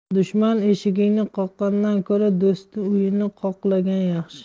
dushman eshigini qoqqandan ko'ra do'st uyini qoqlagan yaxshi